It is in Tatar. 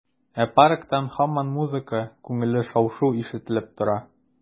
Ә парктан һаман музыка, күңелле шау-шу ишетелеп тора.